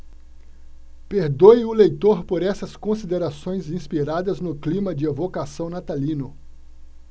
perdoe o leitor por essas considerações inspiradas no clima de evocação natalino